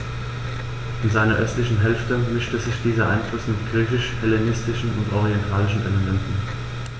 In seiner östlichen Hälfte mischte sich dieser Einfluss mit griechisch-hellenistischen und orientalischen Elementen.